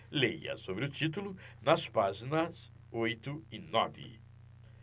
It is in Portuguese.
leia sobre o título nas páginas oito e nove